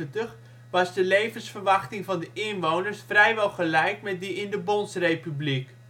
de inwoners vrijwel gelijk met die in de Bondsrepubliek